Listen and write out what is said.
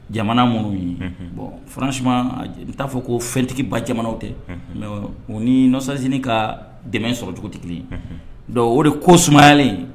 Jamana minnu ye bɔn farasi n t'a fɔ ko fɛntigiba jamanaw tɛ mɛ u nisansinin ka dɛmɛ sɔrɔ cogo kelen o de ko sumalen